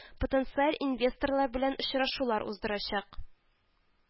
Потенциаль инвесторлар белән очрашулар уздырачак